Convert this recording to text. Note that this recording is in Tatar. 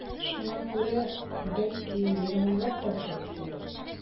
Шуңа күрә, бәлки, мине аңлап та бетермисеңдер...